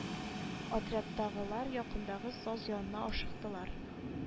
Отрядтагылар якындагы саз янына ашыктылар